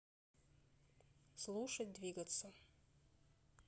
слушать двигаться